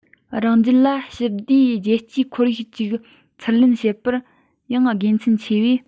རང རྒྱལ ལ ཞི བདེའི རྒྱལ སྤྱིའི འཁོར ཡུག ཅིག ཚུར ལེན བྱེད པར ཡང དགེ མཚན ཆེ བས